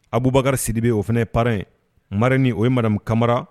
Abubakari Sidibe o fana ye parrain ye marraine o ye madame kamara